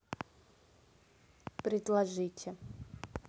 предложите